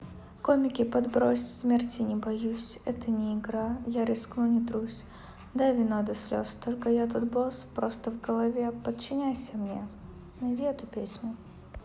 комики подбрось смерти не боюсь это не игра я рискну не трусь дай вино до слез только я тот босс просто в голове подчиняйся мне найди эту песню